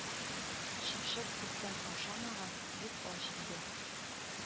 Чыпчык күптән ашамаган, бик ач иде